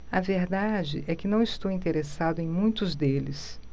a verdade é que não estou interessado em muitos deles